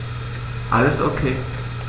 Alles OK.